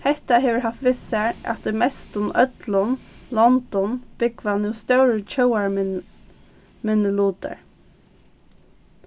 hetta hevur havt við sær at í mestum øllum londum búgva nú stórir minnilutar